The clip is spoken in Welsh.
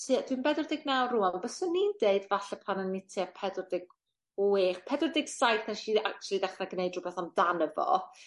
tua... Dwi'n bedwr deg naw rŵan byswn i'n deud falle pan o'n i tua pedwar deg wech pedwar deg saith nesh i da- actually dachre gneud rwbeth amdano fo